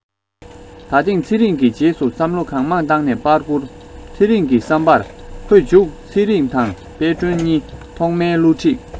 ད ཐེངས ཚེ རིང གིས རྗེས སུ བསམ བློ གང མང བཏང ནས པར བསྐུར ཚེ རིང གི བསམ པར ཁོས མཇུག ཚེ རིང དང དཔལ སྒྲོན གཉིས ཐོག མའི བསླུ བྲིད